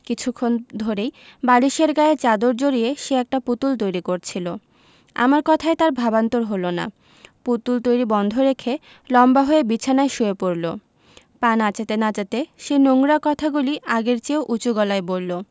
কিছুক্ষণ ধরেই বালিশের গায়ে চাদর জড়িয়ে সে একটা পুতুল তৈরি করছিলো আমার কথায় তার ভাবান্তর হলো না পুতুল তৈরী বন্ধ রেখে লম্বা হয়ে বিছানায় শুয়ে পড়লো পা নাচাতে নাচাতে সেই নোংরা কথাগুলি আগের চেয়েও উচু গলায় বললো